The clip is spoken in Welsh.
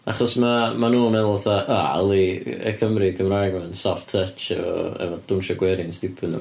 Achos ma' maen nhw'n meddwl fatha, "o, yli y Cymry Cymraeg 'ma yn soft touch efo efo dawnsio gwerin stiwpid nhw".